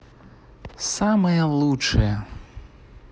самое лучшее